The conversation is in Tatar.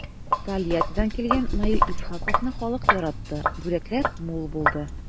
Тольяттидан килгән Наил Исхаковны халык яратты, бүләкләр мул булды.